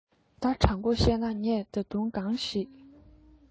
ད དྲང གོ རང གཤས ན ངས ད དུང གནས ཚུལ གང ཞིག